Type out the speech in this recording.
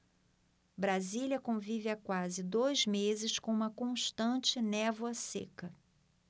brasília convive há quase dois meses com uma constante névoa seca